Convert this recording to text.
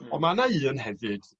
Hmm. On' ma' 'na un hefyd